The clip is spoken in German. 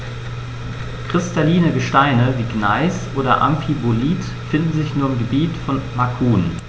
Kristalline Gesteine wie Gneis oder Amphibolit finden sich nur im Gebiet von Macun.